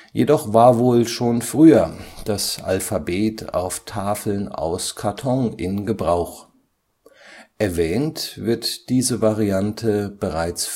Jedoch war wohl schon früher das Alphabet auf Tafeln aus Karton in Gebrauch; erwähnt wird diese Variante bereits